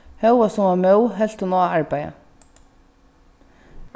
hóast hon var móð helt hon á at arbeiða